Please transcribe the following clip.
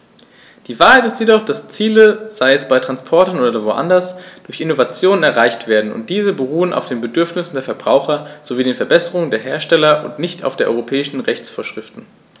Die Wahrheit ist jedoch, dass Ziele, sei es bei Transportern oder woanders, durch Innovationen erreicht werden, und diese beruhen auf den Bedürfnissen der Verbraucher sowie den Verbesserungen der Hersteller und nicht nur auf europäischen Rechtsvorschriften.